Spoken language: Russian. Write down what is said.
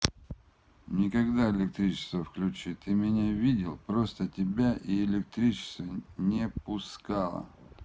некогда электричество включи ты меня видел просто тебя и электричество не пускала